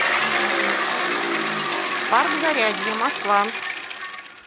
парк зарядье москва